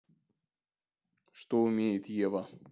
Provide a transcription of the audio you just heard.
что умеет ева